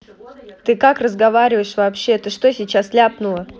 ты как разговариваешь вообще ты что сейчас ляпнула